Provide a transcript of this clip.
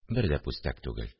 Бер дә пүстәк түгел